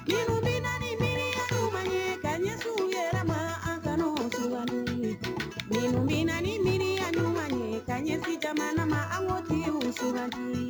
Denina miyan ɲuman ye ka ɲɛsin wɛrɛ an kana den miyanugan ka ɲɛsin jamana ma an tilemu